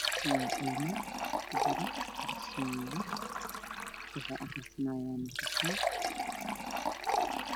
Waa ilmo ku jiro dugsi waxay akhrisanayaan kitaab quraan ka ah